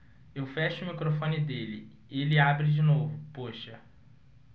eu fecho o microfone dele ele abre de novo poxa